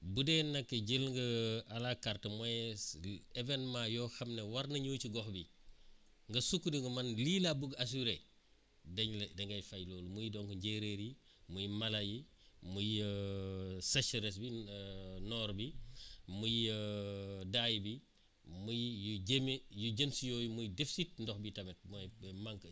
bu dee nag jël nga à la carte mooy événement yoo xam ne war na ñëw ci gox bii nga sukkandiku man lii laa bëgg assuré dañ la da ngay fay loolu muy donc njéeréer yi muy mala yi muy secheresse bi nord bi muy daay bi muy yu jëme yu jëm si yooyu muy deficit ndox bi tamit mooy manqué